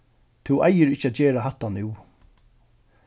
tú eigur ikki at gera hatta nú